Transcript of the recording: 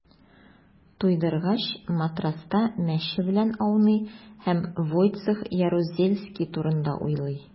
Туйдыргач, матраста мәче белән ауный һәм Войцех Ярузельский турында уйлый.